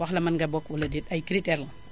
wax la mën nga bokk walla déet ay critères la